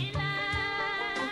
Miniyan